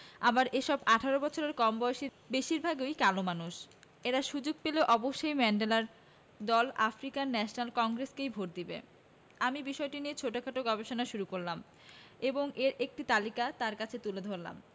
আবার এসব ১৮ বছরের কম বয়সীর বেশির ভাগই কালো মানুষ এরা সুযোগ পেলে অবশ্যই ম্যান্ডেলার দল আফ্রিকান ন্যাশনাল কংগ্রেসকেই ভোট দেবে আমি বিষয়টি নিয়ে ছোটখাটো গবেষণা শুরু করলাম এবং এর একটি তালিকা তাঁর কাছে তুলে ধরলাম